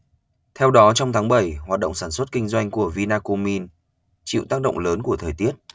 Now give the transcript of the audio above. theo đó trong tháng bảy hoạt động sản xuất kinh doanh của vinacomin chịu tác động lớn của thời tiết